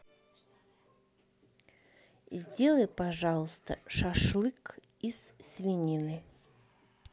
сделай пожалуйста шашлык из свинины